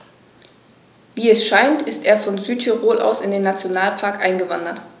Wie es scheint, ist er von Südtirol aus in den Nationalpark eingewandert.